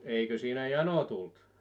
eikö siinä jano tullut